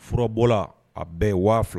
Furabɔla a bɛɛ waa fila